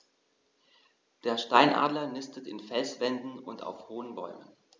Der Steinadler nistet in Felswänden und auf hohen Bäumen.